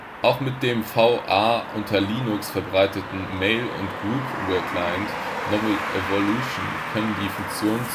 Auch mit dem v. a. unter Linux verbreiteten Mail - und Groupwareclient Novell Evolution können die Funktionen